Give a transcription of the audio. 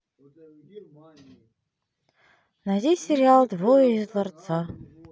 найди сериал двое из ларца